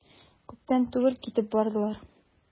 Күптән түгел китеп бардылар.